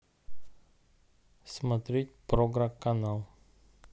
смотреть програ канал